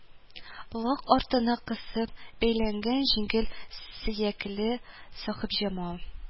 Лак артына кысып бәйләгән җиңел сөякле сәхипҗамал